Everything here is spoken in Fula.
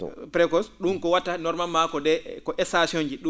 précoce ?um ko wa?ata normalement que des ko station